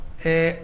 Ee